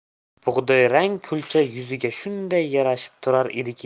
bug'doyrang kulcha yuziga shunday yarashib tushar ediki